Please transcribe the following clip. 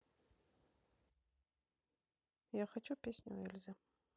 я хочу песню эльзы